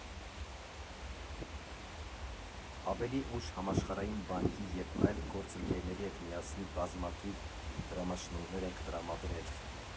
Ավելի ուշՀամաշխարհային բանկի և այլ գործընկերների հետ միասին բազմաթիվ դրամաշնորհներ ենք տրամադրել։